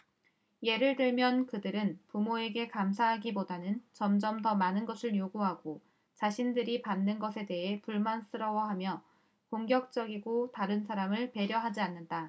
예를 들면 그들은 부모에게 감사하기보다는 점점 더 많은 것을 요구하고 자신들이 받는 것에 대해 불만스러워하며 공격적이 고 다른 사람을 배려하지 않는다